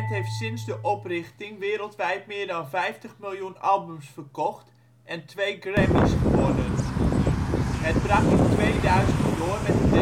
heeft sinds de oprichting wereldwijd meer dan vijftig miljoen albums verkocht en twee Grammy 's gewonnen. Het brak in 2000 door met het debuutalbum